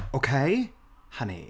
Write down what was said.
Ok? Honey.